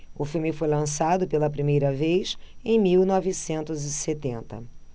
o filme foi lançado pela primeira vez em mil novecentos e setenta